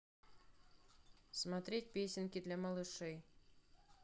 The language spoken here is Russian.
смотреть песенки для малышей